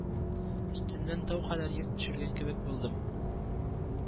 Өстемнән тау кадәр йөк төшергән кебек булдым